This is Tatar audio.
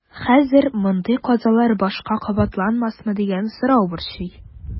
Хәзер мондый казалар башка кабатланмасмы дигән сорау борчый.